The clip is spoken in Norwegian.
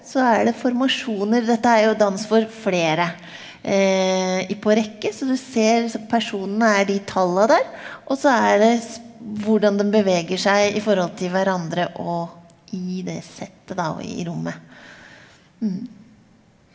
så er det formasjoner dette er jo dans for flere i på rekke så du ser personene er de talla der også er det hvordan dem beveger seg i forhold til hverandre og i det settet da og i rommet .